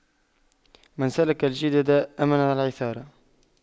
من سلك الجدد أمن العثار